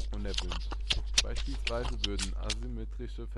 unerwünscht. Beispielsweise würden asymmetrische